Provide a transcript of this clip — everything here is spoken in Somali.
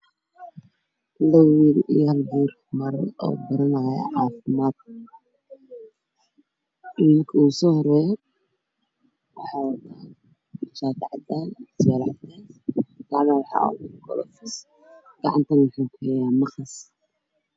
Meeshaan waxaa marayo wiil iyo gabar OO caafimaadka u socdo wiilka soo horeeyay